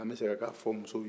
an bɛ segin ka fɔ musow ye